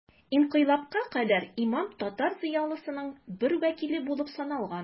Инкыйлабка кадәр имам татар зыялысының бер вәкиле булып саналган.